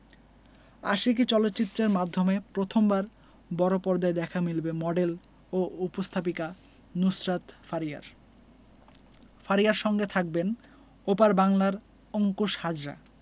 আশিকী চলচ্চিত্রের মাধ্যমে প্রথমবার বড়পর্দায় দেখা মিলবে মডেল ও উপস্থাপিকা নুসরাত ফারিয়ার ফারিয়ার সঙ্গে থাকবেন ওপার বাংলার অংকুশ হাজরা